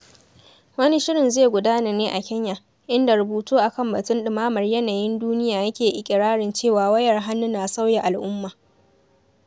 Wani shirin zai gudana ne a Kenya, inda rubutu a kan batun Ɗumamar Yanayin Duniya yake iƙirarin cewa wayar hannu na sauya al'umma.